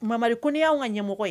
Mamari koi y' ka ɲɛmɔgɔ ye